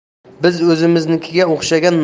biz o'zimiznikiga o'xshagan